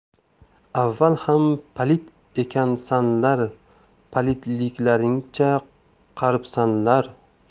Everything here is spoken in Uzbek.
avval ham palid ekansanlar palidliklaringcha qaribsanlar